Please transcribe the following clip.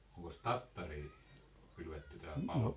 onkos tattaria kylvetty täällä paljon